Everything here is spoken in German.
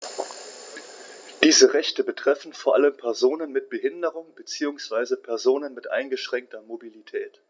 Diese Rechte betreffen vor allem Personen mit Behinderung beziehungsweise Personen mit eingeschränkter Mobilität.